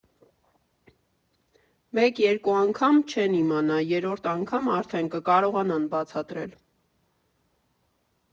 Մեկ֊երկու անգամ չեն իմանա, երրորդ անգամ արդեն կկարողանան բացատրել։